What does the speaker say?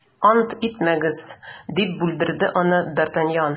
- ант итмәгез, - дип бүлдерде аны д’артаньян.